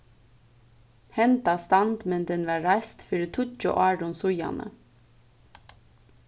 henda standmyndin varð reist fyri tíggju árum síðani